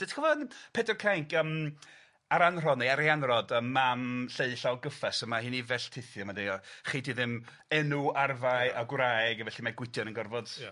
T- ti'n gwbo yn Peder Cainc yym Aranrhod neu Arianrod y mam Lleu Llaw Gyffes a ma' hi'n 'i felltithio mae'n deud o chei di ddim enw arfau a gwraig a felly mae Gwydion yn gorfod... Ia.